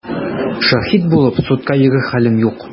Шаһит булып судка йөрер хәлем юк!